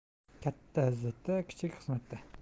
katta izzatda kichik xizmatda